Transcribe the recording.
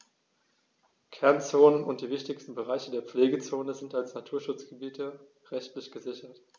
Kernzonen und die wichtigsten Bereiche der Pflegezone sind als Naturschutzgebiete rechtlich gesichert.